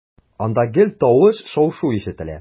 Анда гел тавыш, шау-шу ишетелә.